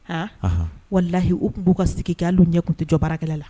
An, anhan, walahi u tun b'u ka sigi kɛ hal'u ɲɛ tun tɛ jɔ baarakɛla la